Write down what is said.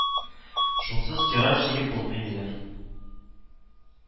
Шунсыз тираж җыеп булмый диләр